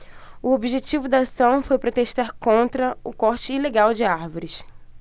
o objetivo da ação foi protestar contra o corte ilegal de árvores